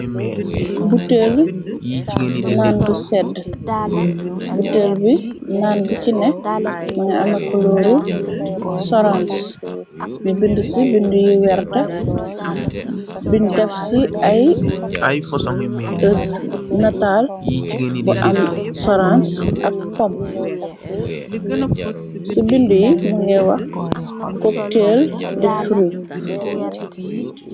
Butel naan bu sedde bu tel bi naan bu sine ma nga ame kolooru soranse ni bind ci bind yi werta bi def ci ay natal bu am soranse ak pom ci bind yi mu nga wax coktel de fru.